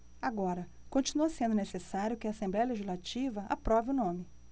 agora continua sendo necessário que a assembléia legislativa aprove o nome